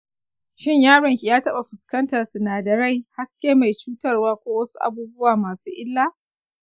shin yaron ki ya taɓa fuskantar sinadarai, haske mai cutarwa, ko wasu abubuwa masu illa?